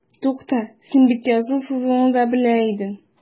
Тукта, син бит язу-сызуны да белә идең.